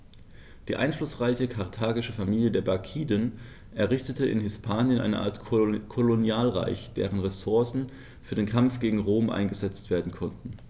Die einflussreiche karthagische Familie der Barkiden errichtete in Hispanien eine Art Kolonialreich, dessen Ressourcen für den Kampf gegen Rom eingesetzt werden konnten.